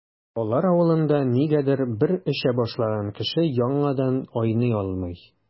Алар авылында, нигәдер, бер эчә башлаган кеше яңадан айный алмый.